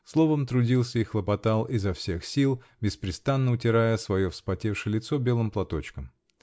словом, трудился и хлопотал изо всех сил, беспрестанно утирая свое вспотевшее лицо белым платочком .